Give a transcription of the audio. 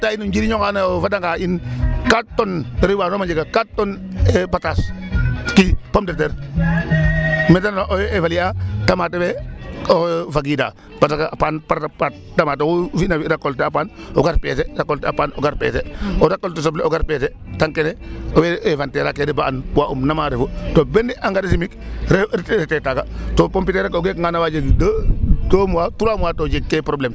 Oxay ataa in o njiriñ onqa andoona yee o fadanga in quatre tonne ribas soom a jegatu quatre tonne patas i pomme de terre me ta refna owey évaluer a tamate fe oxey fagiidaa. Parce que a paan a paan tamate oxe fi'na fi' récolte a paan o gar pese récolter a paan o gar pese o rècolte soble o gar pese tang kene owey inventaire a kene ba and poids um nam a refu to ben engrais chimique retee taaga to pomme de terre ake o gekangaan a waa jeg deux deux mois trois mois to jegkee probleme.